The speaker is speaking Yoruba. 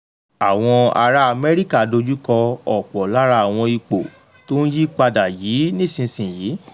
Àwọn ará Amẹ́ríkà dojú kọ ọ̀pọ̀ lára àwọn ipò tó ń yí padà yìí nísinsìnyí.